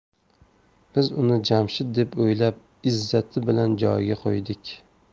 biz uni jamshid deb o'ylab izzati bilan joyiga qo'ydik